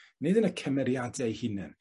nid yn y cymeriade 'u hunen,